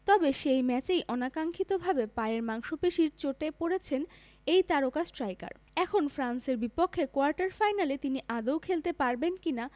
তবে সেই ম্যাচেই অনাকাঙ্ক্ষিতভাবে পায়ের মাংসপেশির চোটে পড়েছেন এই তারকা স্ট্রাইকার এখন ফ্রান্সের বিপক্ষে কোয়ার্টার ফাইনালে তিনি আদৌ খেলতে পারবেন কি না